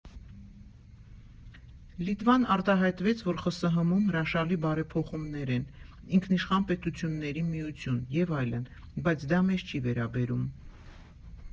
Լիտվան արտահայտվեց, որ ԽՍՀՄ֊֊ում հրաշալի բարեփոխումներ են, Ինքնիշխան պետությունների Միություն, և այլն, բայց դա մեզ չի վերաբերում։